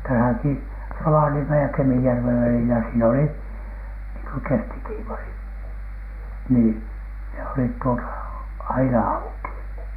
tässäkin Rovaniemen ja Kemijärven välillä siinä oli niin kuin kestikievari niin ne olivat tuota aina auki